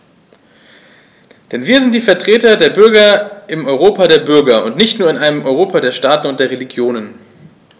Denn wir sind die Vertreter der Bürger im Europa der Bürger und nicht nur in einem Europa der Staaten und der Regionen.